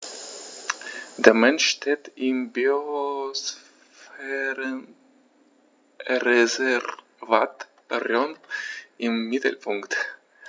Der Mensch steht im Biosphärenreservat Rhön im Mittelpunkt.